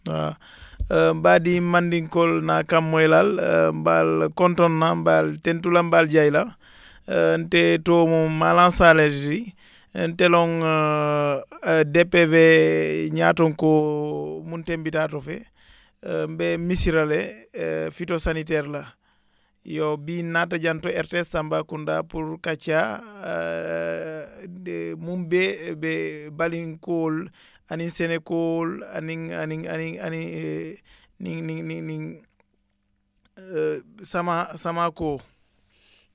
waaw